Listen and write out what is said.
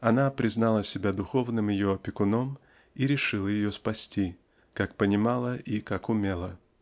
Она признала себя духовным ее опекуном и решила ее спасти как понимала и как умела.